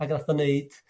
Ag ath o 'neud